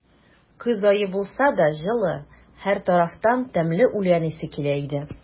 Көз ае булса да, җылы; һәр тарафтан тәмле үлән исе килә иде.